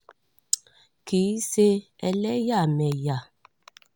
Kì í ṣe ẹlẹ́yàmẹyá̀.